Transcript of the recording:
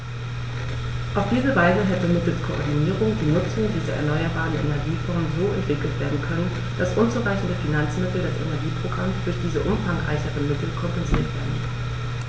Auf diese Weise hätte mittels Koordinierung die Nutzung dieser erneuerbaren Energieformen so entwickelt werden können, dass unzureichende Finanzmittel des Energieprogramms durch diese umfangreicheren Mittel kompensiert werden.